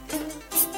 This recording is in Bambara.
San